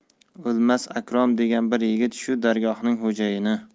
o'lmas akrom degan bir yigit shu dargohning xo'jayini